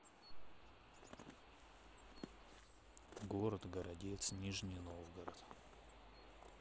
город городец нижний новгород